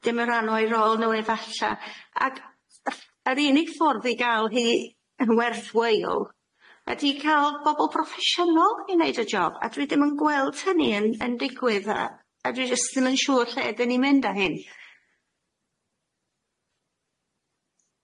dim yn rhan o'i rôl n'w efalla ag yy yr unig ffordd i ga'l hi yn gwerthchweil ydi ca'l bobol proffesiynol i neud y job a dwi dim yn gweld hynny yn yn digwydd a a dwi jyst ddim yn siŵr lle dyn ni'n mynd â hyn.